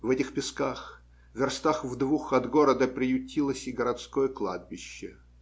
В этих песках, верстах в двух от города, приютилось и городское кладбище